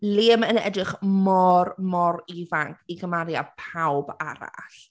Liam yn edrych mor, mor ifanc i cymharu â pawb arall.